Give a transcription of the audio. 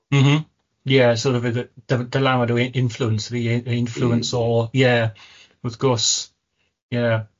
M-hm, ie sort of fydd y dy- dylanwad yr influence fi, yr influence o, ie, wrth gwrs, ie.